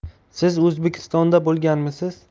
siz o'zbekistonda bo'lganmisiz